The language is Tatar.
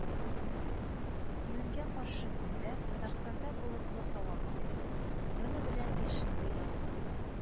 Июньгә каршы төндә татарстанда болытлы һава көтелә, урыны белән яшенле яңгыр